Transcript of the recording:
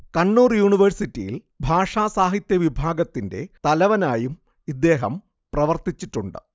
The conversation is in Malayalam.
കണ്ണൂർ യൂണിവേയ്സിറ്റിയിൽ ഭാഷാ സാഹിത്യവിഭാഗത്തിന്റെ തലവനായും ഇദ്ദേഹം പ്രവർത്തിച്ചിട്ടുണ്ട്